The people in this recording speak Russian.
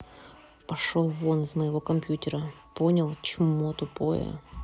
пошел вон из моего компьютера понял чмо тупое